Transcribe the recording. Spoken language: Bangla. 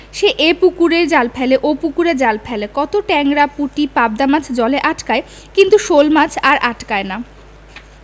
সে এ পুকুরে জাল ফেলে ও পুকুরে জাল ফেলে কত টেংরা পুঁটি পাবদা মাছ জালে আটকায় কিন্তু শােলমাছ আর আটকায় না